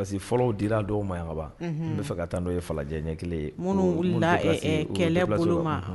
Parce que fɔlɔ di la dɔw ma yan ka ban an b'a fɛ ka taa n'o ye Falajɛ ɲɛ .